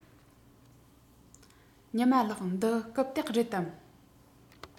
ཉི མ ལགས འདི རྐུབ སྟེགས རེད དམ